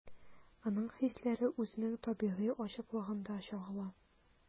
Аның хисләре үзенең табигый ачыклыгында чагыла.